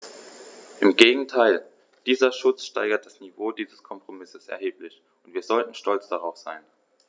Im Gegenteil: Dieser Schutz steigert das Niveau dieses Kompromisses erheblich, und wir sollten stolz darauf sein.